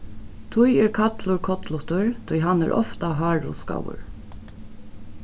tí er kallur kollutur tí hann er ofta hárruskaður